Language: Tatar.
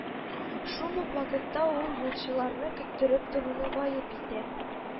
Шул ук вакытта ул юлчыларны көттереп торуны гаеп итә